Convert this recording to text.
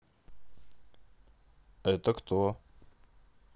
это кто